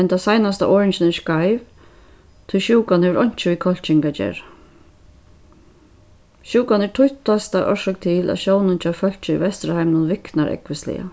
henda seinasta orðingin er skeiv tí sjúkan hevur einki við kálking at gera sjúkan er títtasta orsøk til at sjónin hjá fólki í vesturheiminum viknar ógvusliga